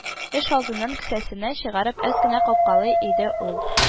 Эш алдыннан, кесәсеннән чыгарып, әз генә капкалый иде ул